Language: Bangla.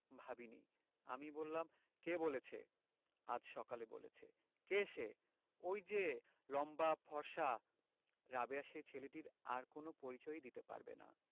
ভাবিনি আমি বললাম কে বলেছে আজ সকালে বলেছে কে সে ঐ যে লম্বা ফর্সা রাবেয়া সেই ছেলেটির আর কোন পরিচয়ই দিতে পারবে না